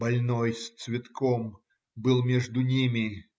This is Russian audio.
Больной с цветком был между ними.